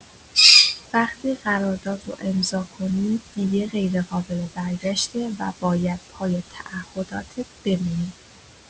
وقتی قرارداد رو امضا کنی، دیگه غیرقابل‌برگشته و باید پای تعهداتت بمونی.